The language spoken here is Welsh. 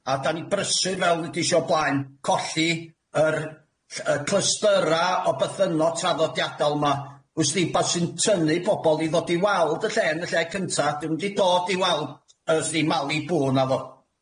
A da' ni brysur fel 'udis i o blaen, colli yr ll- y clustyra o bythynnod traddodiadol 'ma, w's di wbath sy'n tynnu pobol i ddod i weld y lle yn y lle cynta, 'dyn n'w'm 'di dod i weld yy sdi, Malibŵ naddo?